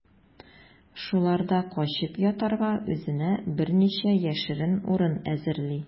Шуларда качып ятарга үзенә берничә яшерен урын әзерли.